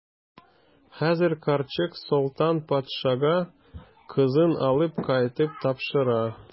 Хәзер карчык Солтан патшага кызын алып кайтып тапшыра.